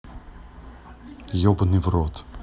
ебаный в рот